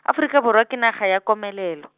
Aforika Borwa ke naga ya komelelo.